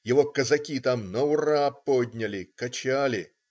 Его казаки там на ура подняли, качали".